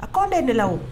A kɔ be dilan o